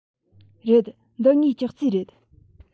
རེད འདི ངའི ཅོག ཙེ རེད